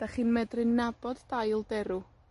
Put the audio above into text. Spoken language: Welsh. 'Dach chi'n medru nabod dail derw